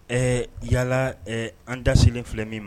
Ɛɛ yalala an da selen filɛ min ma